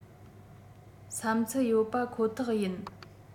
བསམ ཚུལ ཡོད པ ཁོ ཐག ཡིན